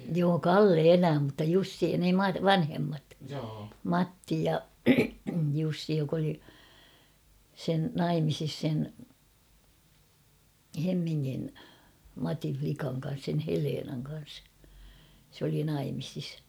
joo Kalle elää mutta Jussi ne - vanhemmat Matti ja Jussi joka oli sen naimisissa sen Hemmingin Matin likan kanssa sen Helenan kanssa se oli naimisissa